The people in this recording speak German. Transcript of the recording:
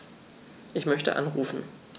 Ich möchte anrufen.